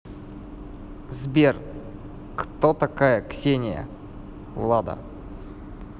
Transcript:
сбер кто такая ксения влада